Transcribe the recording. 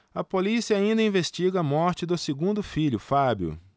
a polícia ainda investiga a morte do segundo filho fábio